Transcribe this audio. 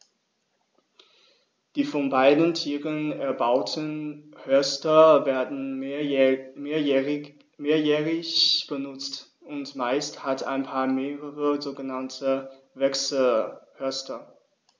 Die von beiden Tieren erbauten Horste werden mehrjährig benutzt, und meist hat ein Paar mehrere sogenannte Wechselhorste.